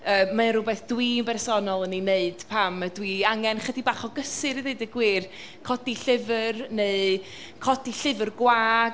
yy mae o rywbeth dwi bersonol yn ei wneud pam ydwi angen ychydig bach o gysur i ddweud y gwir, codi llyfr neu codi llyfr gwag